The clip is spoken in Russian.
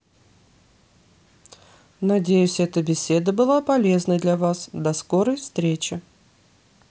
надеюсь эта беседа была полезной для вас до скорой встречи